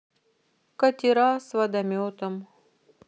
катера с водометом